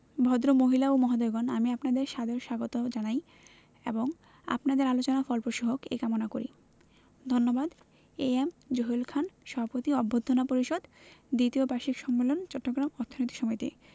ভদ্রমহিলা ও মহোদয়গণ আমি আপনাদের সাদর স্বাগত জানাই এবং আপনাদের আলোচনা ফলপ্রসূ হোক এ কামনা করি ধন্যবাদ এ এম জহিরুদ্দিন খান সভাপতি অভ্যর্থনা পরিষদ দ্বিতীয় বার্ষিক সম্মেলন চট্টগ্রাম অর্থনীতি সমিতি